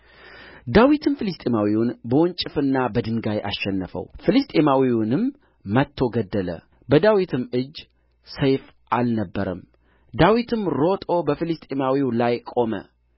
ዳዊትም ፍልስጥኤማዊውን በወንጭፍና በድንጋይ አሸነፈው ፍልስጥኤማዊውንም መትቶ ገደለ በዳዊትም እጅ ሰይፍ አልነበረም ዳዊትም ሮጦ በፍልስጥኤማዊው ላይ ቆመ